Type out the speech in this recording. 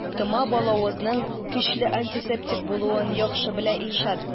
Тома балавызның көчле антисептик булуын яхшы белә Илшат.